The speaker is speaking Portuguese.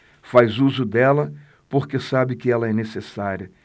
faz uso dela porque sabe que ela é necessária